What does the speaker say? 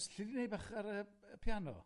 ...'lli di neud bach ar yy y piano?